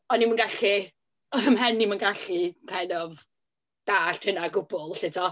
O'n i'm yn gallu... oedd 'y mhen i'm yn gallu kind of dalld hynna o gwbl, 'lly tibod.